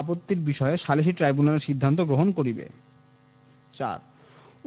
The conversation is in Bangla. আপত্তির বিষয়ে সালিসী ট্রাইব্যুনাল সিদ্ধান্ত প্রদান করিবে ৪